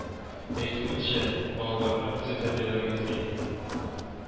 Әйтүенчә, балаларны үзе тәрбияләргә тели